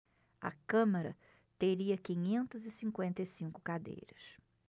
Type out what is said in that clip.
a câmara teria quinhentas e cinquenta e cinco cadeiras